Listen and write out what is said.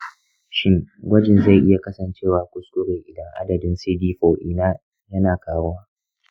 shin gwajin zai iya kasancewa kuskure idan adadin cd4 ɗina yana ƙaruwa?